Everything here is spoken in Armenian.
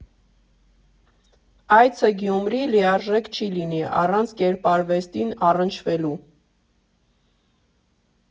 Այցը Գյումրի լիարժեք չի լինի առանց կերպարվեստին առնչվելու։